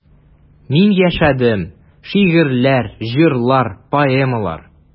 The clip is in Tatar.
Мин яшәдем: шигырьләр, җырлар, поэмалар.